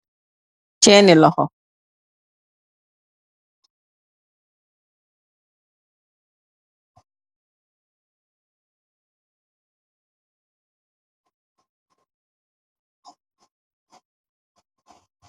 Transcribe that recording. Chenni loho la